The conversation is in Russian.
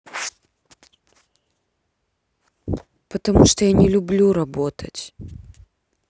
потому что я не люблю работать